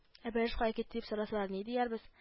Ә бәлеш кая китте дип сорасалар, ни диярбез